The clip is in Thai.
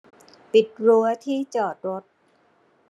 ปิดรั้วที่จอดรถ